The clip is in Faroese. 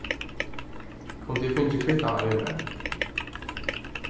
kundi eg fingið kvittanina við mær